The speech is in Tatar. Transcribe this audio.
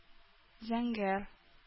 Зәңгәр